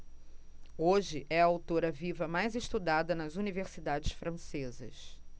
hoje é a autora viva mais estudada nas universidades francesas